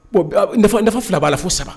Bon nafa fila b'a la fo saba